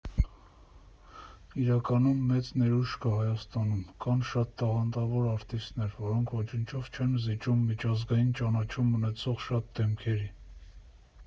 ֊ Իրականում մեծ ներուժ կա Հայաստանում, կան շատ տաղանդավոր արտիստներ, որոնք ոչնչով չեն զիջում միջազգային ճանաչում ունեցող շատ դեմքերի։